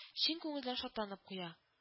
Чын күңелдән шатланып куя: